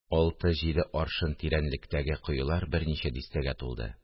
Алты-җиде аршын тирәнлектәге коелар берничә дистәгә тулды